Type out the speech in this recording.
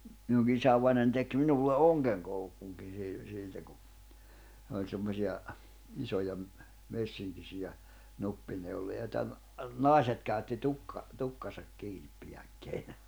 minunkin isävainajani teki minulle ongenkoukunkin - siltä kun oli semmoisia isoja - messinkisiä nuppineuloja joita - naiset käytti - tukkansa kiinnipidikkeinä